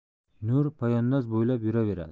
nur poyandoz bo'ylab yuraveradi